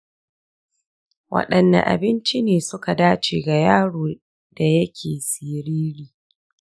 wadanne abinci ne suka dace ga yaro da yake siriri?